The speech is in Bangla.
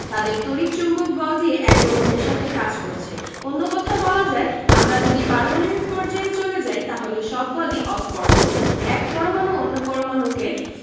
তাদের তড়িৎ চৌম্বক বল দিয়ে একে অন্যের সাথে কাজ করছে অন্য কথায় বলা যায় আমরা যদি পারমাণবিক পর্যায়ে চলে যাই তাহলে সব বলই অস্পর্শক এক পরমাণু অন্য পরমাণুকে